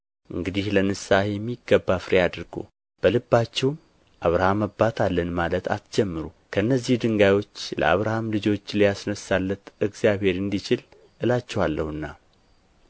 እንግዲህ ለንስሐ የሚገባ ፍሬ አድርጉ በልባችሁም አብርሃም አባት አለን ማለትን አትጀምሩ ከእነዚህ ድንጋዮች ለአብርሃም ልጆች ሊያስነሣለት እግዚአብሔር እንዲችል እላችኋለሁና